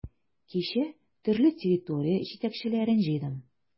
Кичә төрле территория җитәкчеләрен җыйдым.